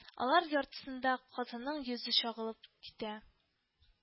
Алар яртысында хатынының йөзе чагылып китә